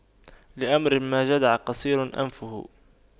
لأمر ما جدع قصير أنفه